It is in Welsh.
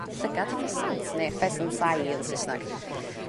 llygad ffesant ne' pheasant's eye yn Sysnag.